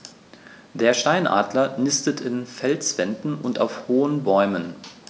Der Steinadler nistet in Felswänden und auf hohen Bäumen.